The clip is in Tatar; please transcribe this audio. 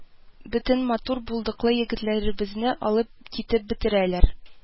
Бөтен матур, булдыклы егетләребезне алып китеп бетерәләр